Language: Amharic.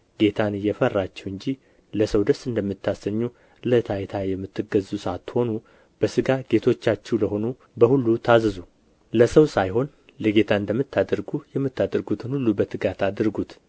ጌታን እየፈራችሁ እንጂ ለሰው ደስ እንደምታሰኙ ለታይታ የምትገዙ ሳትሆኑ በሥጋ ጌቶቻችሁ ለሆኑ በሁሉ ታዘዙ ለሰው ሳይሆን ለጌታ እንደምታደርጉ የምታደርጉትን ሁሉ በትጋት አድርጉት